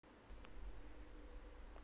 когда появится шелковицу